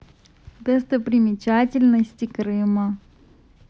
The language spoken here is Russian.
достопримечательности крыма